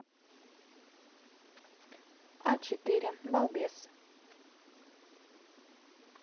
а четыре балбес